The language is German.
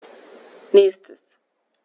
Nächstes.